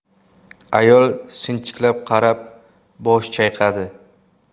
ayol sinchiklab qarab bosh chayqadi